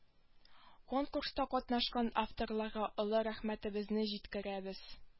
Конкурста катнашкан авторларга олы рәхмәтебезне җиткерәбез